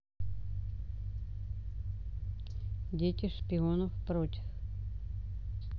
дети шпионов против